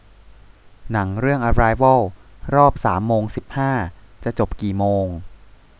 หนังเรื่องอะไรวอลรอบสามโมงสิบห้าจะจบกี่โมง